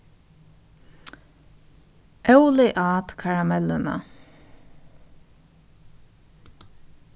óli át karamelluna